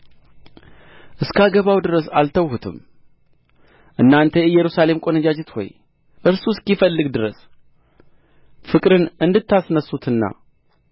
እስካገባው ድረስ አልተውሁትም እናንተ የኢየሩሳሌም ቈነጃጅት ሆይ እርሱ እስኪፈልግ ድረስ ፍቅርን እንዳታስነሡትና